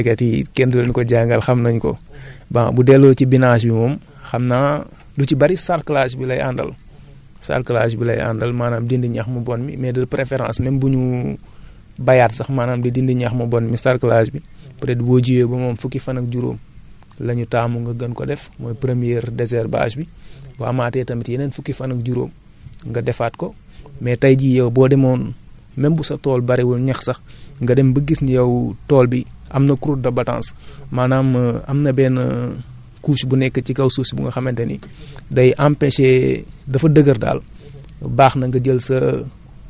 waaw waa xam naa labour bi moom avant avant ñuy ji lañ koy def loolu moom baykat yi kenn du leen ko jàngal xam nañ ko bon bu delloo ci binage bi moom xam naa lu ci bëri sarclage bi lay àndal sarclage bi lay àndal maanaam dindi ñax mu bon mi mais de préférence même bu ñu bayaat sax maanaam di dindi ñax mu bon mi sarclage bi peu être boo jiwee ba mu am fukki fan ak juróom lañu taamu nga gën ko def mooy première desherbage bi bu amaatee tamit yeneen fukki fan ak juróom nga defaat ko mais tay jii yow boo demoon même bu sa tool bariwul ñax sax nga dem ba gis ne yow tool bi am na croue de batance maanaam am na benn couche bu nekk ci kaw suuf si bu nga xamante ni